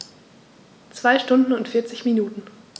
2 Stunden und 40 Minuten